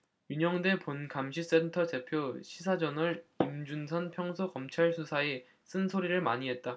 윤영대 본감시센터 대표 시사저널 임준선 평소 검찰수사에 쓴소리를 많이 했다